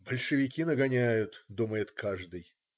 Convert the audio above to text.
"Большевики нагоняют",- думает каждый.